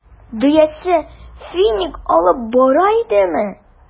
Дөясе финик алып бара идеме?